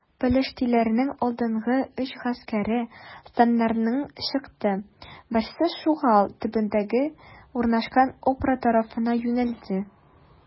Пелештиләрнең алдынгы өч гаскәре, станнарыннан чыкты: берсе Шугал төбәгендә урнашкан Опра тарафына юнәлде.